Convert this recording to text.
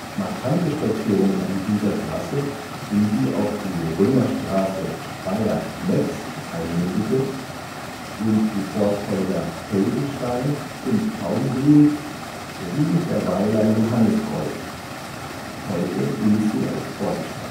Markante Stationen an dieser Trasse, in die auch die Römerstraße Speyer – Metz einmündete, sind die Forsthäuser Heldenstein und Taubensuhl sowie der Weiler Johanniskreuz; heute dient sie als Forststraße